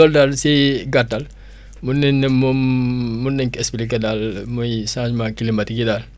loolu daal si gàtal mun nañ ne moom mun nañ ko expliquer daal muy changement climatique yi daal